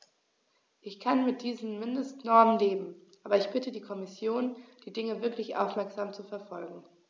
Ich kann mit diesen Mindestnormen leben, aber ich bitte die Kommission, die Dinge wirklich aufmerksam zu verfolgen.